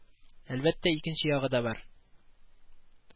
Әлбәттә, икенче ягы да бар